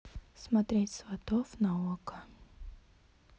смотреть сватов на окко